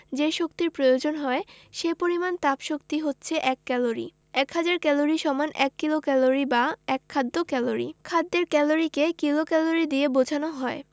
যে শক্তির প্রয়োজন হয় সে পরিমাণ তাপশক্তি হচ্ছে এক ক্যালরি এক হাজার ক্যালরি সমান এক কিলোক্যালরি বা এক খাদ্য ক্যালরি খাদ্যের ক্যালরিকে কিলোক্যালরি দিয়ে বোঝানো হয়